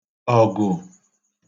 ògù